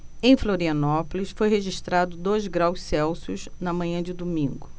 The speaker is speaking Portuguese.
em florianópolis foi registrado dois graus celsius na manhã de domingo